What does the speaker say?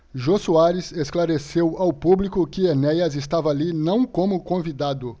jô soares esclareceu ao público que enéas estava ali não como convidado